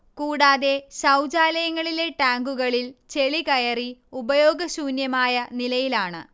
കൂടാതെ ശൗചാലയങ്ങളിലെ ടാങ്കുകളിൽ ചെളികയറി ഉപയോഗശൂന്യമായ നിലയിലാണ്